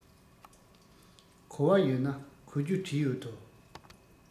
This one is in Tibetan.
གོ བ ཡོད ན གོ རྒྱུ བྲིས ཡོད དོ